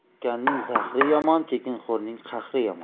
tikanning zahri yomon tekinxo'rning qahri yomon